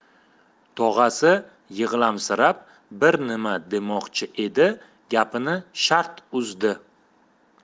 tog'asi yig'lamsirab bir nima demoqchi edi gapini shart uzdi